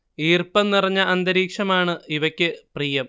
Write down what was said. ഈർപ്പം നിറഞ്ഞ അന്തരീക്ഷം ആണ് ഇവയ്ക്കു പ്രിയം